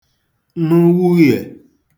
nụ wuyè